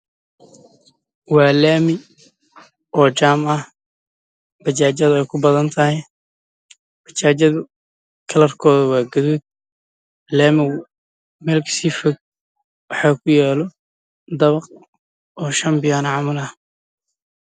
Waa laami jaam ah oo bajaajyo ku badanyihiin